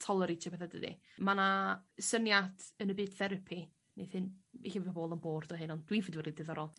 tolereitio betha dydi? Ma' 'na syniad yn y byd therapi neith hyn... Ella by' bobol yn bored 'da hyn ond dwi'n ffindio fo reit diddorol.